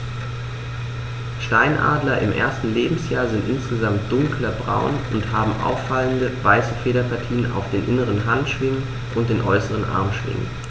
Steinadler im ersten Lebensjahr sind insgesamt dunkler braun und haben auffallende, weiße Federpartien auf den inneren Handschwingen und den äußeren Armschwingen.